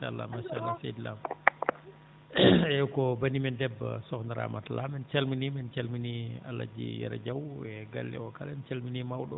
machallah machallah seydi Lam eeyi ko banIi men debbo sokhna Ramata Lam en calminii mo en calminii Alaji Yero Diaw e galle o kala en calminii mawɗo oo